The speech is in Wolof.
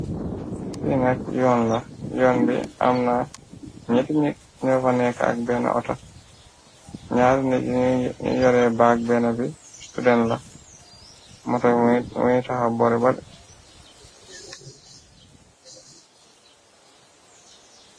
Fiinak yoon la yoon bi amna ñati nit ñoofanek ak benn ota ñaar naji ñu yore baag benn bi student la moto muy taxaw bore baleh.